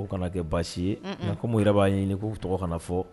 O kana kɛ baasi ye nka kɔmi u yɛrɛ b'a ɲini k'u tɔgɔ kana fɔ.